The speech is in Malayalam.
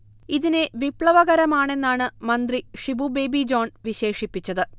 ഇതിനെ വിപ്ലവകരമാണെന്നാണ് മന്ത്രി ഷിബു ബേബി ജോൺ വിശേഷിപ്പിച്ചത്